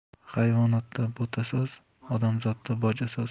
hayvonotda bo'ta soz odamzotda boja soz